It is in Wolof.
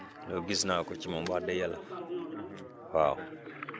gis naa ko ci moom wax dëgg yàlla waaw